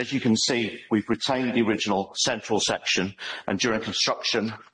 As you can see, we've retained the original central section and during construction